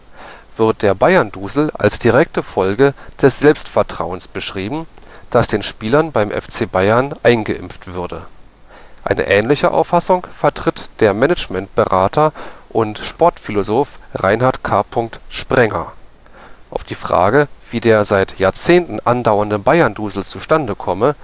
Bayern-Dusel als direkte Folge des Selbstvertrauens beschrieben, das den Spielern beim FC Bayern „ eingeimpft “würde. Eine ähnliche Auffassung vertritt der Managementberater und Sportphilosoph Reinhard K. Sprenger. Auf die Frage, wie der „ seit Jahrzehnten andauernde Bayern-Dusel “zu Stande komme